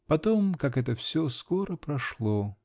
Потом, как это все скоро прошло.